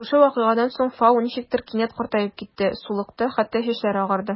Шушы вакыйгадан соң Фау ничектер кинәт картаеп китте: сулыкты, хәтта чәчләре агарды.